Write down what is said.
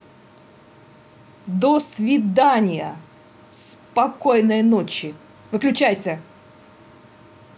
до свидания спокойной ночи выключайся